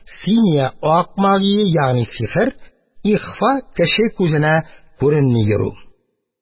Симия - ак магия, ягъни сихер, ихфа кеше күзенә күренми йөрү